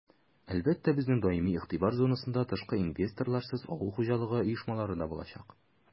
Әлбәттә, безнең даими игътибар зонасында тышкы инвесторларсыз авыл хуҗалыгы оешмалары да булачак.